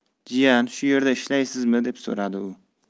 jiyan shu yerda ishlaysizmi deb so'radi u